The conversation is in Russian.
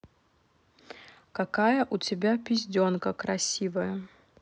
какая у тебя пизденка красивая